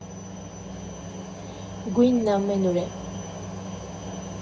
Գույնն ամենուր է։